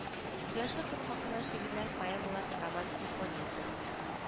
Кояшлы көн хакына шигырьләр поэмалар роман-симфония төз